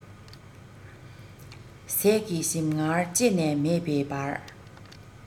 ཟས ཀྱི ཞིམ མངར ལྕེ ནས མིད པའི བར